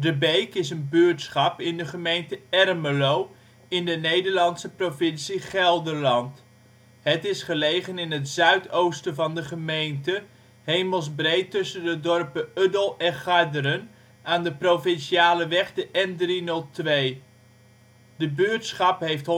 Beek is een buurtschap in de gemeente Ermelo, in de Nederlandse provincie Gelderland. Het is gelegen in het zuidoosten van de gemeente, hemelsbreed tussen de dorpen Uddel en Garderen, aan de provinciale weg de N302. De buurtschap heeft